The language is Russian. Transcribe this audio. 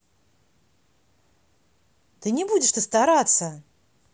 да не будешь ты стараться